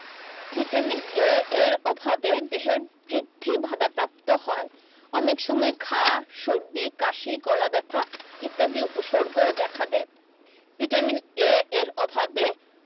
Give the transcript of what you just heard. vitamin A এর অভাবে দেহের বৃদ্ধি বাধাপ্রাপ্ত হয় অনেক সময় ঘা সর্দি কাশি গলাব্যথা ইত্যাদি উপসর্গও দেখা দেয় ভিটামিন A এর অভাবে